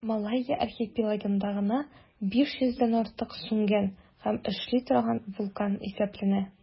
Малайя архипелагында гына да 500 дән артык сүнгән һәм эшли торган вулкан исәпләнә.